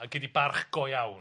A gei di barch go iawn.